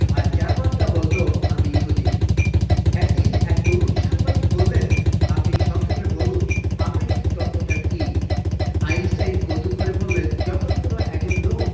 আর জার্মানরা বলতো আমি ইহুদি একদিন এক তরুণ সাংবাদিক বললেন আপনি সংক্ষেপে বলুন আপেক্ষিক তত্ত্ব টা কি করে বললেন যখন কোন একজন লোক